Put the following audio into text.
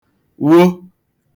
wo